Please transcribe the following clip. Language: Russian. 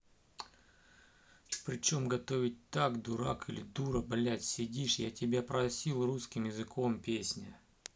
при чем готовить так дурак или дура блять сидишь я тебя просил русским языком песня